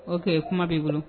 Ok kuma b'i bolo